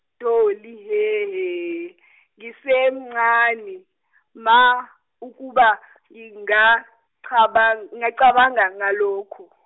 Dolly he he ngisemncane ma ukuba ngingachaba- ngingacabanga ngalokho.